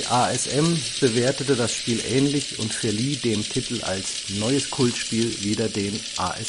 ASM bewertete das Spiel ähnlich und verlieh dem Titel als „ neues Kultspiel “wieder den „ ASM